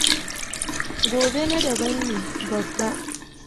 Gobe na daban ne babba.